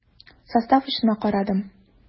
Состав очына карадым.